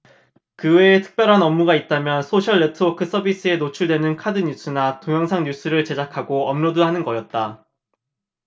그 외에 특별한 업무가 있다면 소셜네트워크서비스에 노출되는 카드뉴스나 동영상뉴스를 제작하고 업로드하는 거였다